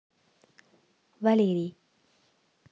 валерий